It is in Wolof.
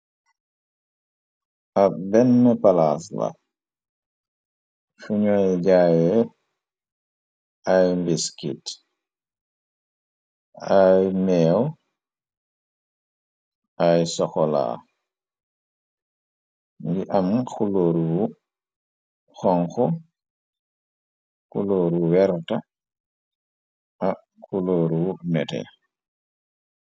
Ak benn palaas la fuñuoy jaaye ay mbiskit ay meew ay soxola ngi am xulóoruu xonxu xulóoru werta ak xulóoru mete.